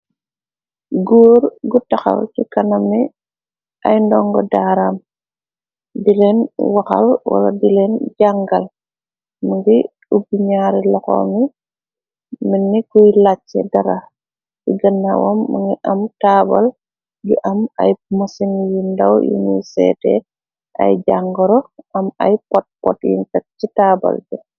Goor gu taxaw ci kana mi ay ndongo daaraam dileen waxal, wala dileen jàngal, mëngi ubbi-ñaari laxo ni Mel ni kuy làjc dara. Si gënawaam mu ngi am taabal ju am ay mësin yi ndaw yiñuy seete ay jàngoro am ay pot pot yuñ tek si taabal bi.